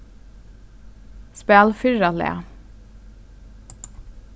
spæl fyrra lag